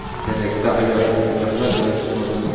kelajakda hayotni bo'yoqlar bilan ifodalayman